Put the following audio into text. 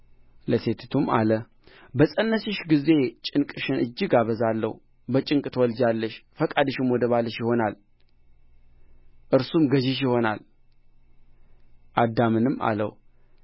ለሴቲቱም አለ በፀነስሽ ጊዜ ጭንቅሽን እጅግ አበዛለሁ በጭንቅ ትወልጃለሽ ፈቃድሽም ወደ ባልሽ ይሆናል እርሱም ገዥሽ ይሆናል አዳምንም አለው